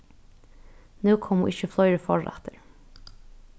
nú komu ikki fleiri forrættir